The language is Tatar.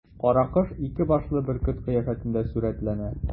Каракош ике башлы бөркет кыяфәтендә сурәтләнә.